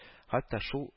Хәтта шул